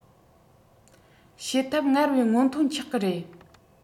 བྱེད ཐབས སྔར བས སྔོན ཐོན ཆགས གི རེད